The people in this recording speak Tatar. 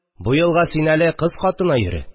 Бу елга син әле кыз катына йөре